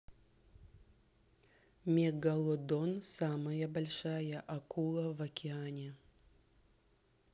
мегалодон самая большая акула в океане